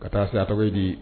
Ka taa se a tɔgɔ ye di